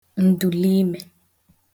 ǹdụ̀limē